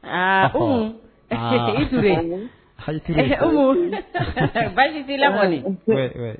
Ur basi lab